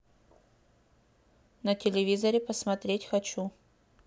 на телевизоре посмотреть хочу